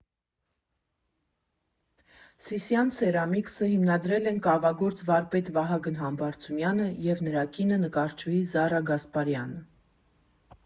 «Սիսիան սերամիքսը» հիմնադրել են կավագործ վարպետ Վահագն Համբարձումյանը և նրա կինը՝ նկարչուհի Զարա Գասպարյանը։